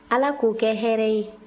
ala k'o kɛ hɛrɛ ye